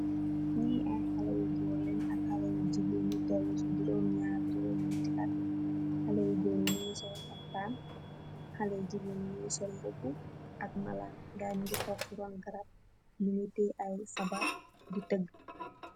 Neeh aii haleeh yu goor lenn ak haleeh yu jigeen yuuh tolux si guroom jarr ak guroom jateeh att, haleeh yu goor nuh geeh sol hafta, halex jigeen gu keeh sol mbubuh ak malann gaii jukeex tog si roon garaab teeh ay sabarr di tegax.